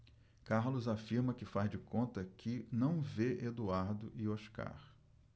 carlos afirma que faz de conta que não vê eduardo e oscar